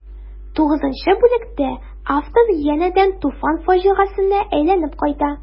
Тугызынчы бүлектә автор янәдән Туфан фаҗигасенә әйләнеп кайта.